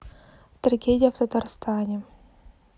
трагедия в татарстане